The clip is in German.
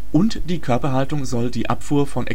und die Körperhaltung soll die Abfuhr von